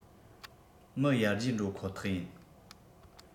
མི ཡར རྒྱས འགྲོ ཁོ ཐག ཡིན